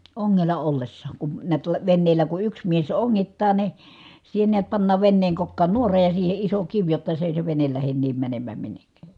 ongella ollessaan kun näet - veneellä kun yksi mies ongittaa niin siihen näet pannaan veneen kokkaan nuora ja siihen iso kivi jotta se ei se vene lähde niin menemään minnekään